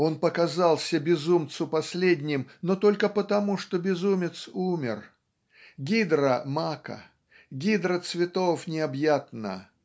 Он показался безумцу последним, но только потому, что безумец умер. Гидра мака гидра цветов необъятна